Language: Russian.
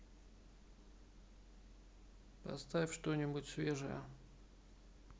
поставь что нибудь свежее